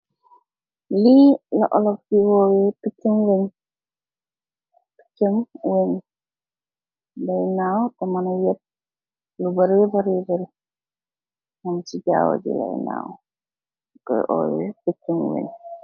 Lii la oloof di woowe piccub weej, piccam weej, de naaw te mana eeb lo baari baari bari, mom si jawoji lay naaw, nyu koy owe piccub weej